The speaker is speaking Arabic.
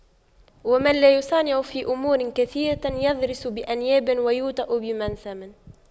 ومن لا يصانع في أمور كثيرة يضرس بأنياب ويوطأ بمنسم